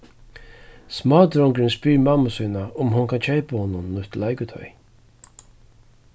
smádrongurin spyr mammu sína um hon kann keypa honum nýtt leikutoy